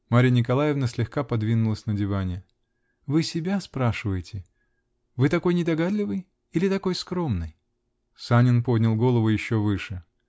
Марья Николаевна слегка подвинулась на диване. -- Вы себя спрашиваете. Вы такой недогадливый? Или такой скромный? Санин поднял голову еще выше.